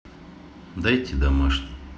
дайте домашний